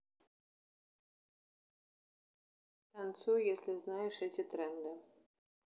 танцуй если знаешь эти тренды